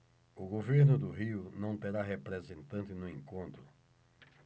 o governo do rio não terá representante no encontro